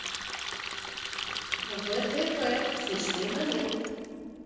вдф смешные моменты